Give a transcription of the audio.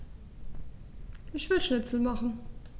Ich will Schnitzel machen.